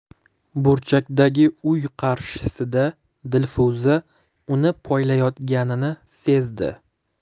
burchakdagi uy qarshisida dilfuza uni poylayotganini sezdi